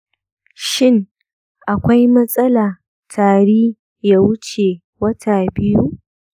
shin akwai matsala tari ya wuce wata biyu?